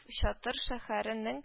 Чатыр шәһәренең